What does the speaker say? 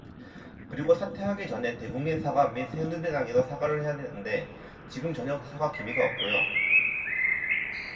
그리고 사퇴하기 전에 대국민 사과 밑 새누리당에도 사과를 해야 하는데 지금 전혀 사과 기미가 없고요